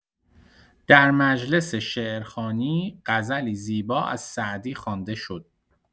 در مجلس شعرخوانی، غزلی زیبا از سعدی خوانده شد.